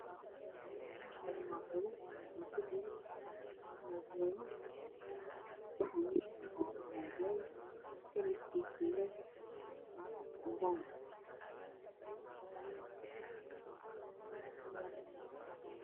Meeshaan waa dhalo waxaa kujiro muubeelo. Waxaa meeshaan saaran muubeel kalarkiisu uu yahay cadaan.